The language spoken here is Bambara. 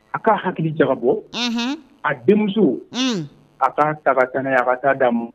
A ka hakili jabɔ a denmuso a' ta tan a ka taa'amu